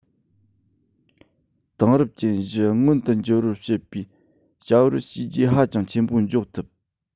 དེང རབས ཅན བཞི མངོན དུ འགྱུར བར བྱེད པའི བྱ བར བྱས རྗེས ཧ ཅང ཆེན པོ འཇོག ཐུབ